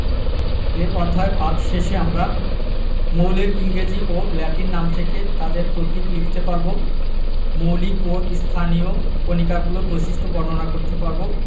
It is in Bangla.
এ অধ্যায় পাঠ শেষে আমরা মৌলের ইংরেজি ও ল্যাটিন নাম থেকে তাদের প্রতীক লিখতে পারব মৌলিক ও স্থানীয় কণিকাগুলোর বৈশিষ্ট্য বর্ণনা করতে পারব